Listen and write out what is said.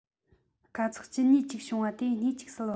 དཀའ ཚེགས ཇི སྙེད ཅིག བྱུང བ དེ སྙེད ཅིག བསལ བ